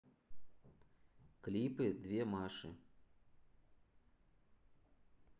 клипы две маши